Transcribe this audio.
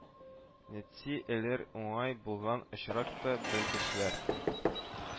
Нәти әләр уңай булган очракта, белгечләр